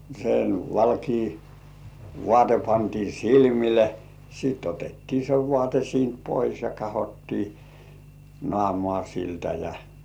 sen valkea vaate pantiin silmille sitten otettiin se vaate siitä pois ja katsottiin naamaa siltä ja